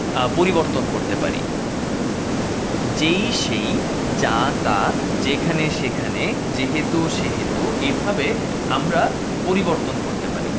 পরিবর্তন করতে পারি যেই সেই যা তা যেখানে সেখানে যেহেতু সেহেতু এভাবে আমরা পরিবর্তন করতে পারি